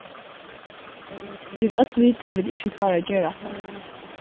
vit øll vita at vit ikki klára at gera hatta